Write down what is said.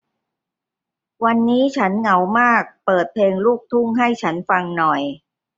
วันนี้ฉันเหงามากเปิดเพลงลูกทุ่งให้ฉันฟังหน่อย